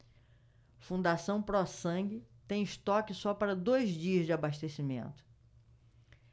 fundação pró sangue tem estoque só para dois dias de abastecimento